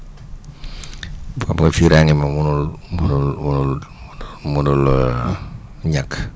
xam nga fiiraange moom mënul mënul mënul ñàkk